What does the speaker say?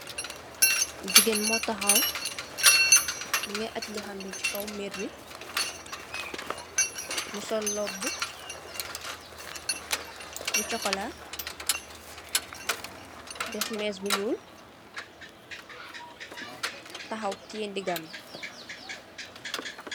Gijeen mo taxaw, mugii ac loxom yi ci kaw miir bi mu sol róbbu bu sokola dèf més bu ñuul taxaw tiyèh ndigam bi.